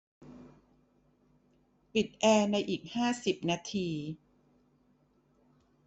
ปิดแอร์ในอีกห้าสิบนาที